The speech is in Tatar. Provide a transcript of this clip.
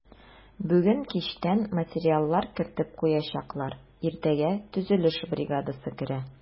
Бүген кичтән материаллар кертеп куячаклар, иртәгә төзелеш бригадасы керә.